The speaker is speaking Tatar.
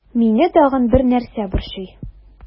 Мине тагын бер нәрсә борчый.